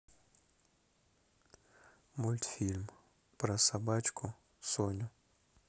мультфильм про собачку соню